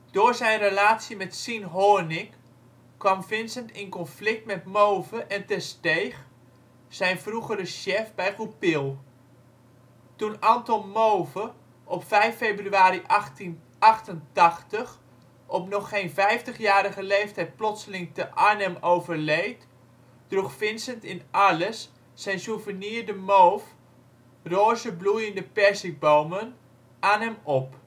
Door zijn relatie met Sien Hoornik kwam Vincent in conflict met Mauve en Tersteeg, zijn vroegere chef bij Goupil. Toen Anton Mauve op 5 februari 1888 op nog geen vijftigjarige leeftijd plotseling te Arnhem overleed, droeg Vincent in Arles zijn Souvenir de Mauve, roze bloeiende perzikbomen, aan hem op